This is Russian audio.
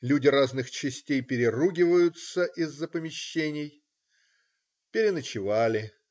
Люди разных частей переругиваются из-за помещений. Переночевали.